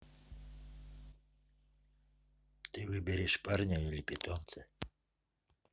что выберешь парня или питомца